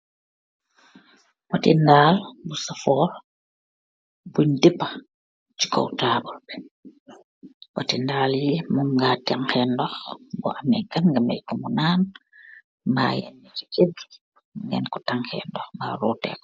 Poti ndaaal bu saforre bungh dehpah chi kaw taabul bii, potii ndaal yii mom nga tangheh ndokh bor ameh gahnn nga mei kor mu nann, mba yen mi cii Kerr bii mun ngeh kor tangheh ndokh mba roteh kor.